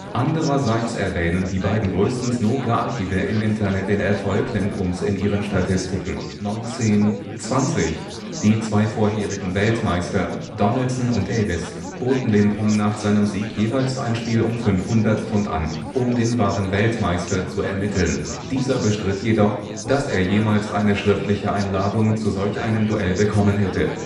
Andererseits erwähnen die beiden größten Snookerarchive im Internet den Erfolg Lindrums in ihren Statistiken. Die zwei vorherigen Weltmeister, Donaldson und Davis, boten Lindrum nach seinem Sieg jeweils ein Spiel um 500 £ an, um den „ wahren Weltmeister “zu ermitteln. Dieser bestritt jedoch, dass er jemals eine schriftliche Einladung zu solch einem Duell bekommen hätte